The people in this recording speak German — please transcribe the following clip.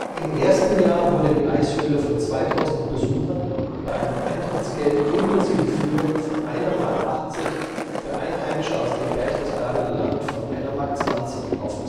Im ersten Jahr wurde die Eishöhle von 2000 Besuchern, bei einem Eintrittsgeld inklusive Führung von 1,80 Mark, für Einheimische aus dem Berchtesgadener Land von 1,20 Mark aufgesucht. Vom